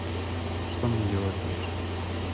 что мне делать дальше